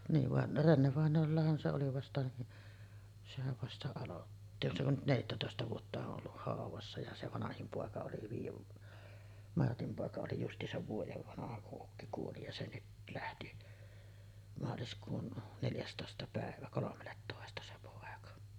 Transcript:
niin vaan Renne-vainajallahan se oli vasta sehän vasta aloitti se on nyt neljättätoista vuotta on ollut haudassa ja se vanhin poika oli viiden Martin poika oli justiinsa vuoden vanha kun ukki kuoli ja se nyt lähti maaliskuun neljästoista päivä kolmelletoista se poika